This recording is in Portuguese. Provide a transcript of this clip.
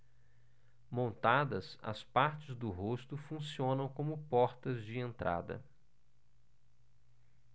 montadas as partes do rosto funcionam como portas de entrada